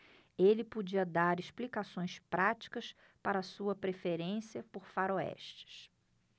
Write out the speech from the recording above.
ele podia dar explicações práticas para sua preferência por faroestes